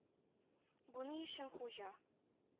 — бу ни эшең, хуҗа?